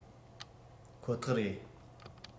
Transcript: ཁོ ཐག རེད